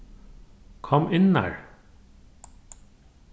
kom innar